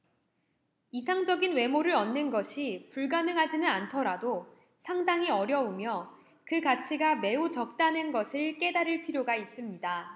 이상적인 외모를 얻는 것이 불가능하지는 않더라도 상당히 어려우며 그 가치가 매우 적다는 것을 깨달을 필요가 있습니다